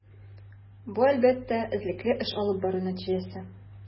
Бу, әлбәттә, эзлекле эш алып бару нәтиҗәсе.